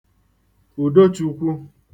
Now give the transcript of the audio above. Ùdochūkwū